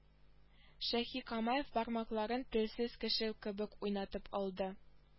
Шаһикамаев бармакларын телсез кеше кебек уйнатып алды